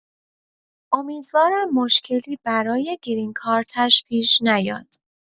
امیدوارم مشکلی برای گرین کارتش پیش نیاد